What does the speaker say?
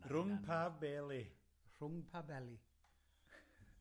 Rwng pa beli? Rhwng pa beli?